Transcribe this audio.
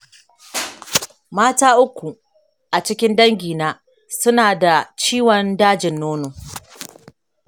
mata uku a cikin dangina su na da ciwon dajin nono